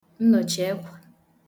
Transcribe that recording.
nnọ̀chiekwhà